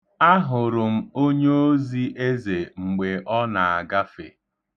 Ahụrụ m onyoozi Eze mgbe ọ na-agafe.